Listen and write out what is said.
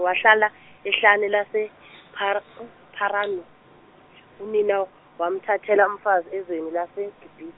wahlala ehlane lasePharu- Pharanu, unina wamthathela umfazi ezweni laseGibi-.